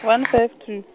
one five two.